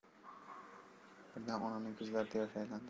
birdam onamning ko'zlarida yosh aylandi